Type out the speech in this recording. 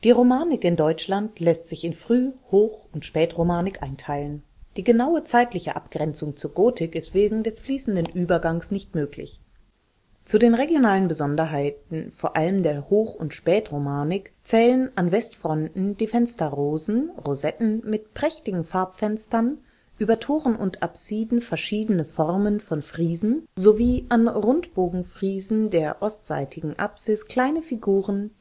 Romanik in Deutschland lässt sich in Früh -, Hoch - und Spätromanik einteilen. Eine genaue zeitliche Abgrenzung zur Gotik ist wegen des fließenden Überganges nicht möglich. Zu den regionalen Besonderheiten – vor allem der Hoch - und Spätromanik – zählen an der Westfront die Fensterrosen (Rosetten) mit prächtigen Farbfenstern, über Toren und Apsiden verschiedene Formen von Friesen, sowie an Rundbogenfriesen der ostseitigen Apsis kleine Figuren